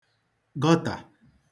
gọtà